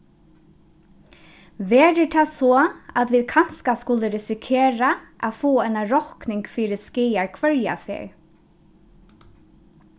verður tað so at vit kanska skulu risikera at fáa eina rokning fyri skaðar hvørja ferð